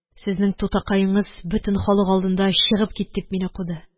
Сезнең тутакаеңыз, бөтен халык алдында «чыгып кит!» дип, мине куды